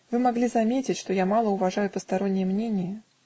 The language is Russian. Вы могли заметить, что я мало уважаю постороннее мнение